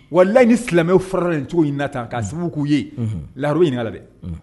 Wa layi ni silamɛmɛw farala nin cogo in na ta ka sababu'u ye laro in' la dɛ